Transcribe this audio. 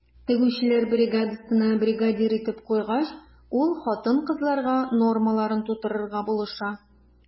Тегүчеләр бригадасына бригадир итеп куйгач, ул хатын-кызларга нормаларын тутырырга булыша.